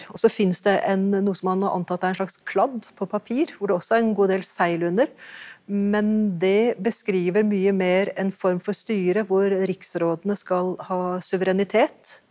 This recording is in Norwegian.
også finnes det en noe som man har antatt det er en slags kladd på papir hvor det også er en god del segl under, men det beskriver mye mer en form for styre hvor riksrådene skal ha suverenitet.